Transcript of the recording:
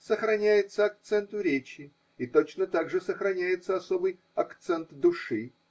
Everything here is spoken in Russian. Сохраняется акцент в речи, и точно так же сохраняется особый акцент души.